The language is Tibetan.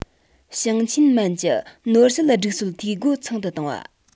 ཞིང ཆེན མན གྱི ནོར སྲིད སྒྲིག སྲོལ འཐུས སྒོ ཚང དུ བཏང བ